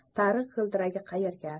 tarix g'ildiragi qayerga